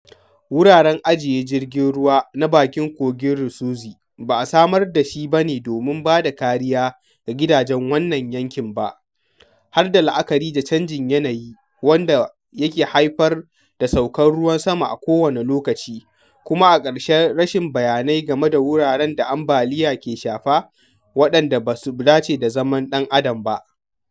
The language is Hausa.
Wuraren ajiye jirgin ruwa na bakin kogin Rusizi ba a samar da shi bane domin bada kariya ga gidajen wannan yankin ba; har da la'akari da canjin yanayi wanda wanda yake haifar da saukar ruwan sama a kowane lokaci; kuma, a ƙarshe, rashin bayanai game da wuraren da ambaliya ke shafa waɗanda ba su dace da zaman ɗan adam ba.